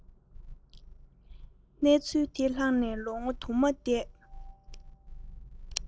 གནས ཚུལ དེ ལྷགས ནས ལོ ངོ དུ མ འདས